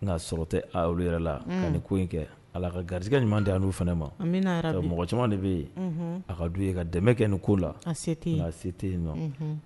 N sɔrɔ tɛ yɛrɛ la ani ko in kɛ ala la ka garigɛ ɲuman di yan n'u fana ma mɔgɔ caman de bɛ yen a ka'u ye ka dɛmɛ kɛ ni ko la se se tɛ yen nɔ